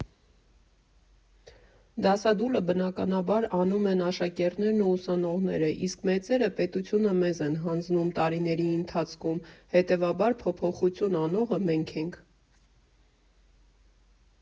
Դասադուլը, բնականաբար, անում են աշակերտներն ու ուսանողները, իսկ մեծերը պետությունը մեզ են հանձնում տարիների ընթացքում, հետևաբար փոփոխություն անողը մենք ենք։